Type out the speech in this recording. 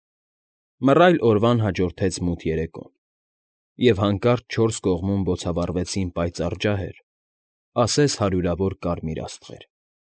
Մռայլ օրվան հաջորդեց մութ երեկոն, և հանկարծ չորս կողմում բոցավառվեցին պայծառ ջահեր, ասես հարյուրավոր կարմիր աստղեր։